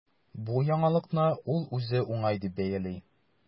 Бу яңалыкны ул үзе уңай дип бәяли.